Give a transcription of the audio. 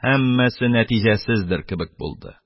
Һәммәсе нәтиҗәсездер кебек булды.